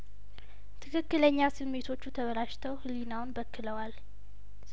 ትክክለኛ ስሜቶቹ ተበላሽ ተው ህሊናውን በክለዋል